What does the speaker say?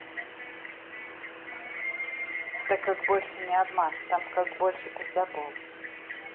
так как больше не обман там как больше пиздабол